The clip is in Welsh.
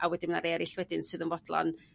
a wedyn ma' 'na rei erill wedyn sydd yn fodlon